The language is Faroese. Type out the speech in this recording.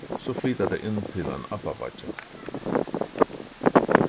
so flyta tey inn til ein abbabeiggja